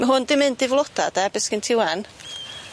Ma' hwn 'di mynd i floda de be' sgen ti ŵan